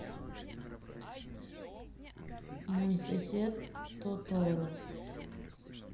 мой сосед тоторо